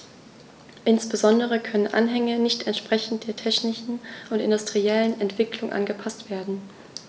Insbesondere können Anhänge nicht entsprechend der technischen und industriellen Entwicklung angepaßt werden.